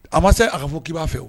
A ma se a ka fɔ k''a fɛ